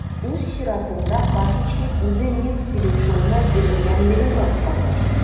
Үз чиратында Пасечник үзе Минск килешүенә бирелгәнлеген раслады.